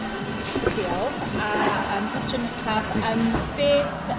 Diolch a ymm cwestiwn nesaf yym beth